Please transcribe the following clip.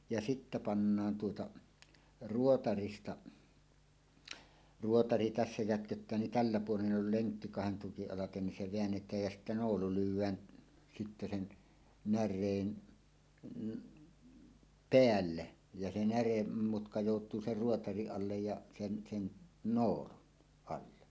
ja sitten pannaan tuota ruotarista ruotari tässä jätköttää niin tällä puolen on lenkki kahden tukin alitse niin se väännetään ja sitten noolu lyödään sitten sen näreen päälle ja se näremutka joutuu sen ruotarin alle ja sen sen noolun alle